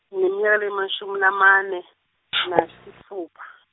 ngineminyaka lengemashumi lamane, nesitfupha.